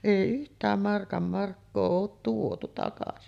ei yhtään markan markkaa ole tuotu takaisin